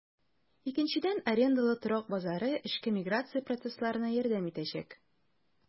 Икенчедән, арендалы торак базары эчке миграция процессларына ярдәм итәчәк.